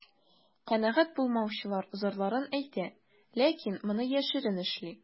Канәгать булмаучылар зарларын әйтә, ләкин моны яшерен эшли.